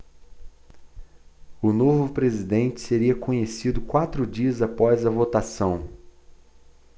o novo presidente seria conhecido quatro dias após a votação